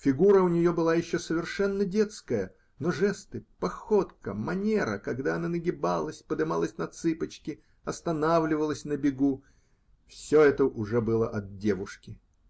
Фигура у нее была еще совершенно детская, но жесты, походка, манера, когда она нагибалась, подымалась на цыпочки, останавливалась на бегу -- все это уже было от девушки.